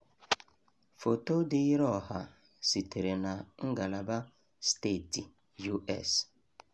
Foto Dịịrị Ọha sitere na Ngalaba Steeti US.